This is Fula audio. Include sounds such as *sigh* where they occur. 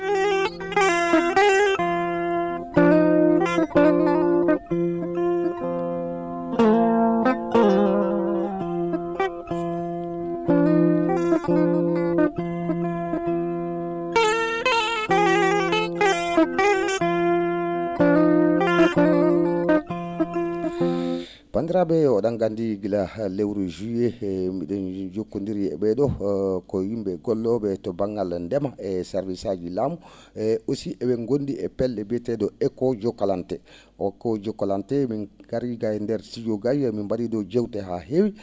*music*